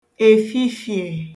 èfifìè